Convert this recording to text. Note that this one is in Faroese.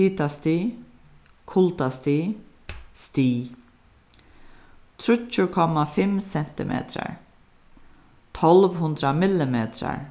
hitastig kuldastig stig tríggir komma fimm sentimetrar tólv hundrað millimetrar